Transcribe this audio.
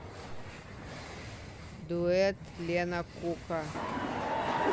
дуэт лена кука